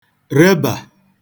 rebà